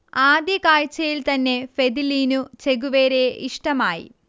ആദ്യ കാഴ്ചയിൽ തന്നെ ഫെദിലീനു ചെ ഗുവേരയെ ഇഷ്ടമായി